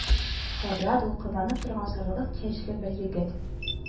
Шадра, дулкынланып торган саргылт чәчле бер егет: